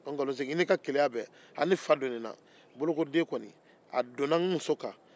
o nkalon s i ni ka keleya bɛɛ hali ni fa donna i la